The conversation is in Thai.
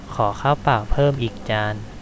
ขอข้าวเปล่่าเพิ่มอีกจาน